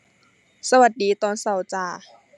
สวัสดีตอนเช้าจ้า